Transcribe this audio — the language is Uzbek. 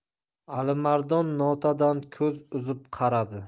alimardon notadan ko'z uzib qaradi